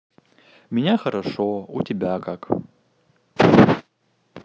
меня хорошо у тебя как